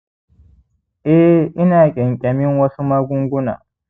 eh, ina ƙyanƙyamin wasu magunguna